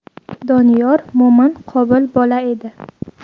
doniyor mo'min qobil bola edi